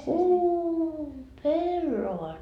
uu pellavat